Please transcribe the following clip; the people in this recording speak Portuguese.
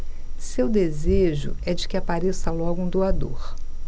seu desejo é de que apareça logo um doador